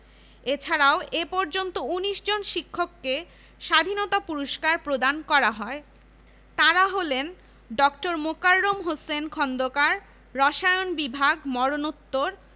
চারুকলা ১৯৯৬ অধ্যাপক কবীর চৌধুরী ইংরেজি বিভাগ শিক্ষা ১৯৯৭ অধ্যাপক A Q M Bazlul Karim